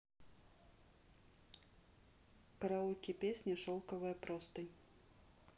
караоке песня шелковая простынь